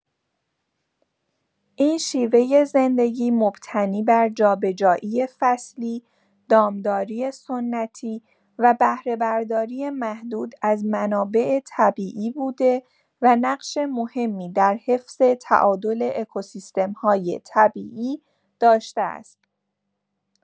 این شیوه زندگی، مبتنی بر جابه‌جایی فصلی، دامداری سنتی و بهره‌برداری محدود از منابع طبیعی بوده و نقش مهمی در حفظ تعادل اکوسیستم‌های طبیعی داشته است.